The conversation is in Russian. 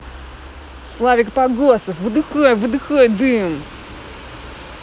slavik pogosov выдыхай выдыхай дым